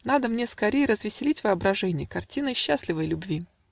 Надо мне скорей Развеселить воображенье Картиной счастливой любви.